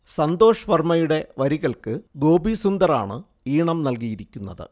സന്തോഷ് വർമയുടെ വരികൾക്ക് ഗോപീ സുന്ദറാണ് ഈണം നൽകിയിരിക്കുന്നത്